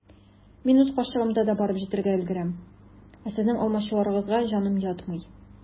Мин үз карчыгымда да барып җитәргә өлгерәм, ә сезнең алмачуарыгызга җаным ятмый.